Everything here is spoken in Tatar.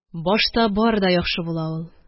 Башта бар да яхшы була ул